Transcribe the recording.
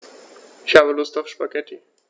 Ich habe Lust auf Spaghetti.